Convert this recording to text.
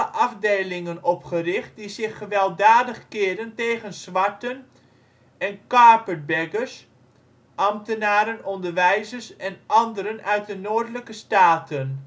afdelingen opgericht die zich gewelddadig keerden tegen zwarten en carpetbaggers (ambtenaren, onderwijzers en anderen uit de Noordelijke staten